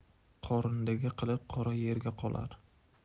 qorindagi qiliq qora yerda qolar